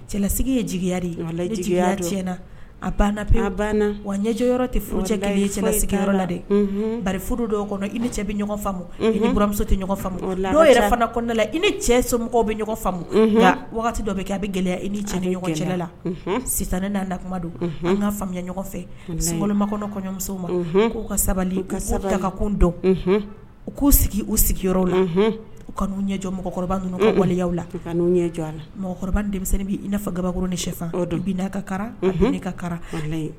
Cɛlasigi ye jigiyaya na a wa ɲɛjɛ tɛ furu cɛ iɲɛna sigiyɔrɔ la dɛ bari furu dɔw kɔnɔ i ni cɛ bɛ ɲɔgɔn fa imuso tɛ la n'o yɛrɛ fana kɔnɔna la i ni cɛ somɔgɔw bɛ ɲɔgɔn faamu nka dɔ bɛ kɛ a bɛ gɛlɛya i ni cɛ ni ɲɔgɔn cɛla la sisan ne nada kuma don n ka faamuya ɲɔgɔn fɛ sikɔma kɔɲɔmusow ma k'u ka sabali kakakun dɔn u k'u sigi u sigiyɔrɔ la u ka'u ɲɛjɔ mɔgɔkɔrɔba ninnu waleliya la ka' mɔgɔkɔrɔba denmisɛnnin bɛ i'a kabako ni shɛ n' ka ne ka